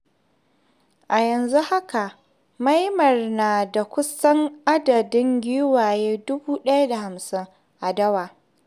A yanzu haka, Maynmar na da kusan adadin giwaye 1,500 a dawa.